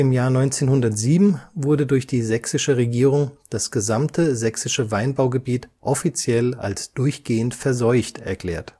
Jahr 1907 wurde durch die sächsische Regierung das gesamte sächsische Weinbaugebiet offiziell als durchgehend verseucht erklärt